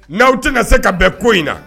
N'aw tɛna na se ka bɛn ko in na?